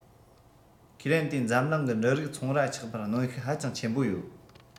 ཁས ལེན དེས འཛམ གླིང གི འབྲུ རིགས ཚོང ར ཆགས པར གནོན ཤུགས ཧ ཅང ཆེན པོ ཡོད